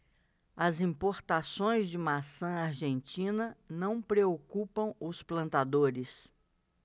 as importações de maçã argentina não preocupam os plantadores